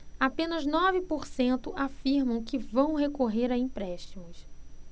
apenas nove por cento afirmam que vão recorrer a empréstimos